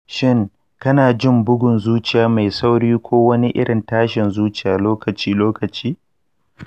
shin kana jin bugun zuciya mai sauri ko wani irin tashin zuciya lokaci-lokaci?